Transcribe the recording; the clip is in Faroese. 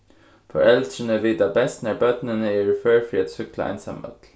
foreldrini vita best nær børnini eru før fyri at súkkla einsamøll